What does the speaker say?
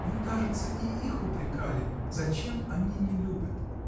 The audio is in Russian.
— Вы, кажется, и их упрекали, зачем они не любят?